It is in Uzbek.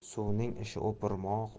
suvning ishi o'pirmoq